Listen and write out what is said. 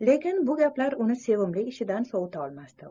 lekin bu gaplar uni sevimli ishidan sovuta olmas edi